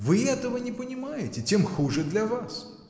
Вы этого не понимаете, тем хуже для вас!.